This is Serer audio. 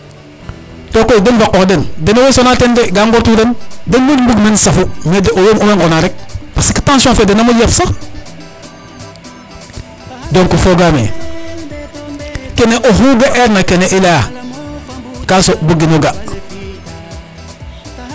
tokoy den fa qox den deno owey sona ten de ga ŋoytu wiran den moƴ mbug men safu mais oway ngona rek parce que tension fe dena moƴ yaf sax donc fogame kene oxu ge erna kene i leya ka soɓ bugino ga